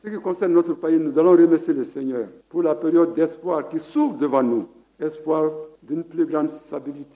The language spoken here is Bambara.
S kɔsen nɔto payed de bɛ se de sen p'o lareyeo dɛsɛp a tɛ so deban eppbila sabibiti